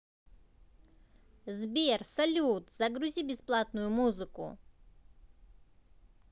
сбер салют загрузи бесплатную музыку